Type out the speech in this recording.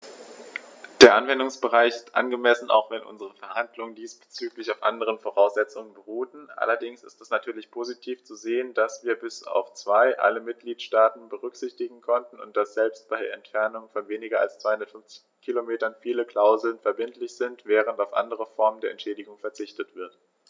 Der Anwendungsbereich ist angemessen, auch wenn unsere Verhandlungen diesbezüglich auf anderen Voraussetzungen beruhten, allerdings ist es natürlich positiv zu sehen, dass wir bis auf zwei alle Mitgliedstaaten berücksichtigen konnten, und dass selbst bei Entfernungen von weniger als 250 km viele Klauseln verbindlich sind, während auf andere Formen der Entschädigung verzichtet wird.